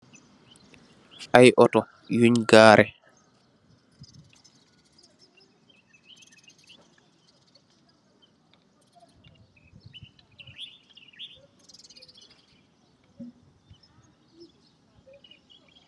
Ay ooto yunj gaare